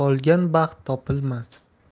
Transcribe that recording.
yo'qolgan baxt topilmas